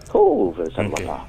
Ko fasanba